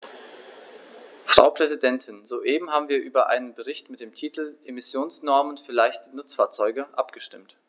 Frau Präsidentin, soeben haben wir über einen Bericht mit dem Titel "Emissionsnormen für leichte Nutzfahrzeuge" abgestimmt.